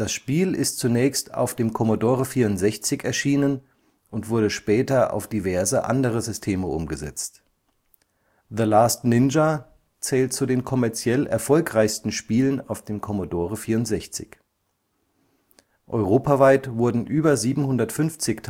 Spiel ist zunächst auf dem Commodore 64 erschienen und wurde später auf diverse andere Systeme umgesetzt. The Last Ninja zählt zu den kommerziell erfolgreichsten Spielen auf dem Commodore 64. Europaweit wurden über 750.000